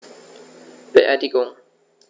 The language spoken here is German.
Beerdigung